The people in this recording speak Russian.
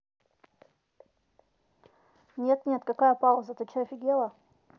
нет нет какая пауза ты че офигела